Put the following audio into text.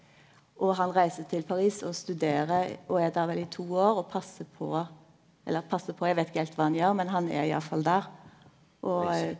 og han reiser til Paris og studerer og er der vel i to år og passer på eller passer på eg veit ikkje heilt kva han gjer men han er iallfall der og.